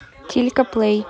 тилька плей